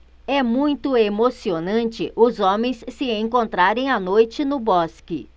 é muito emocionante os homens se encontrarem à noite no bosque